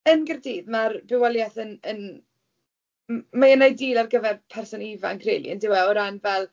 Yn Gaerdydd mae'r bywoliaeth yn yn... m- mae e'n ideal ar gyfer person ifanc rili yndyw e? O ran fel...